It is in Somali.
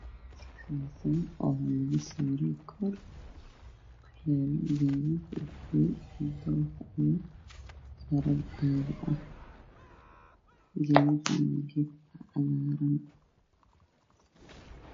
Meeshaan waxaayaalo gaari gacan ay saaran yihiin malaayo